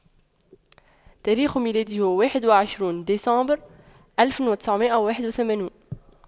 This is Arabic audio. تاريخ ميلادي هو واحد وعشرون ديسمبر ألف وتسعمئة وواحد وثمانون